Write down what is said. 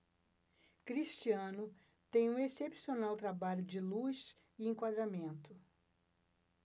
cristiano tem um excepcional trabalho de luz e enquadramento